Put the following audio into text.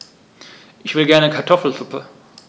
Ich will gerne Kartoffelsuppe.